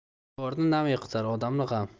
devorni nam yiqitar odamni g'am